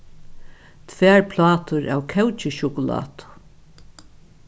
tvær plátur av kókisjokulátu